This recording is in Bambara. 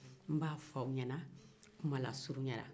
n'bɛ a fɔ aw ɲɛna kuma lasuruɲa la